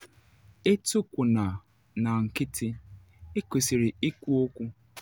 Etukwuna na nkịtị - ị kwesịrị ikwu okwu.”